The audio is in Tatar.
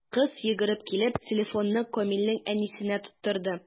Кыз, йөгереп килеп, телефонны Камилнең әнисенә тоттырды.